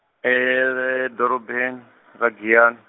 edorobeni, ra Giyani.